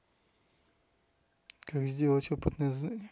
как сделать опытное здание